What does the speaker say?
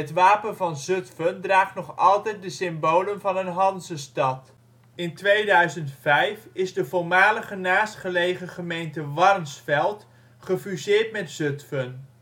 Wapen van Zutphen draagt nog altijd de symbolen van een hanzestad. In 2005 is de voormalige naastgelegen gemeente Warnsveld gefuseerd met Zutphen